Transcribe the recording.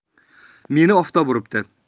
meni oftob uribdi